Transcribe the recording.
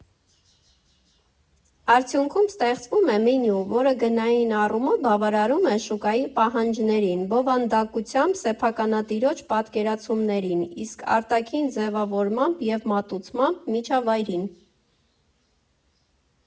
Արդյունքում ստեղծվում է մենյու, որը գնային առումով բավարարում է շուկայի պահանջներին, բովանդակությամբ՝ սեփականատիրոջ պատկերացումներին, իսկ արտաքին ձևավորմամբ և մատուցմամբ՝ միջավայրին։